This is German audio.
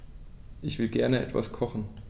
Ich will gerne etwas kochen.